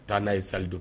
Taa n'a ye salle don